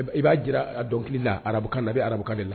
I b'a jira a dɔnkili na a arabukan na a bɛ arabukan ne la